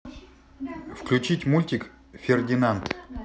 включить мультик фердинант